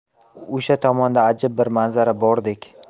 o'sha tomonda ajib bir manzara bordek